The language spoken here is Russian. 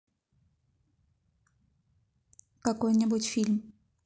какой нибудь фильм